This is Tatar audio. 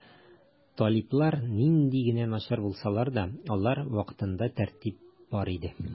Талиблар нинди генә начар булсалар да, алар вакытында тәртип бар иде.